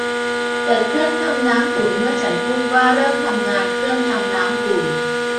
เปิดเครื่องทำน้ำอุ่นเมื่อฉันพูดว่าเริ่มทำงานเครื่องทำน้ำอุ่น